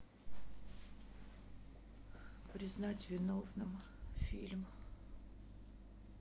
признать виновным фильм